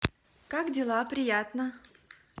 как дела приятно